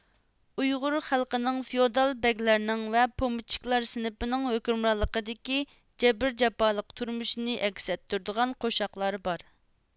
ئۇيغۇر خەلقىنىڭ فېئۇدال بەگلەرنىڭ ۋە پومېشچىكلار سىنىپىنىڭ ھۆكۈمرانلىقىدىكى جەبىر جاپالىق تۇرمۇشىنى ئەكس ئەتتۈرىدىغان قوشاقلار بار